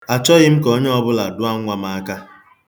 Achọghị m ka onye ọbụla dụọ nwa m aka.